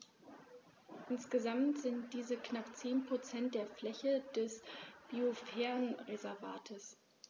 Insgesamt sind dies knapp 10 % der Fläche des Biosphärenreservates.